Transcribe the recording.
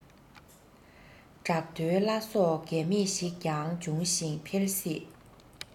བྲག རྡོའི བླ སྲོག རྒས མེད ཞིག ཀྱང འབྱུང ཞིང འཕེལ སྲིད